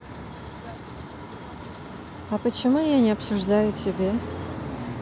а почему я не обсуждаю тебе